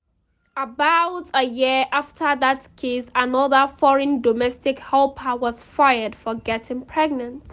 About a year after that case, another foreign domestic helper was fired for getting pregnant.